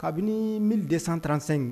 Kabini mi desan tanransan in